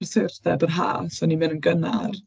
prysurdeb yr haf. So o'n i'n mynd yn gynnar.